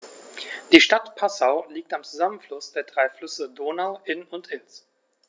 Die Stadt Passau liegt am Zusammenfluss der drei Flüsse Donau, Inn und Ilz.